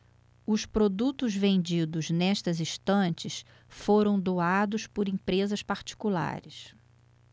os produtos vendidos nestas estantes foram doados por empresas particulares